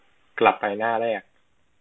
กลับไปหน้าแรก